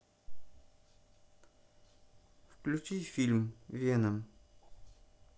включи фильм веном